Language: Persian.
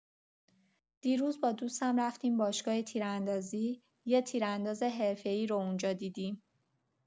دیروز با دوستم رفتیم باشگاه تیراندازی، یه تیرانداز حرفه‌ای رو اونجا دیدیم!